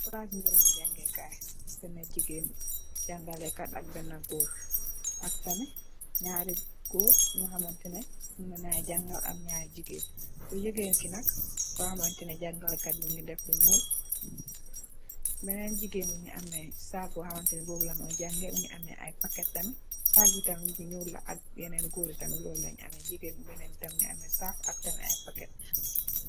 Orazi mbere mujyanga kai bena gigain janjaleh kat ak bena gorr ak tamit nyarri gorr yo hamanteh neh nyunleng na jangal ak nyarri gigain ku gigain key nak ko hamanteh neh jangaleh kai bi mungi def lu nyuul benen gigain bi mungi ameh sack bohamanteh neh mom lamo jangeh mungi ameh I packet tamit sack bi tamit bu nyuula ak yenen gorri tamit lolu lenj ameh gigaini benen tamit mungi ameh sack ak tamit i packet.